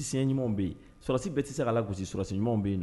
Si siyɛnw bɛsi bɛɛ tɛ se' la gosisi susi bɛ yen